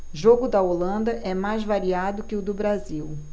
jogo da holanda é mais variado que o do brasil